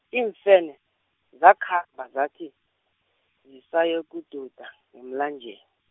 iimfene, zakhamba zathi, zisayokududa, ngemlanje-.